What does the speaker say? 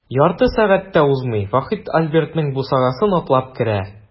Ярты сәгать тә узмый, Вахит Альбертның бусагасын атлап керә.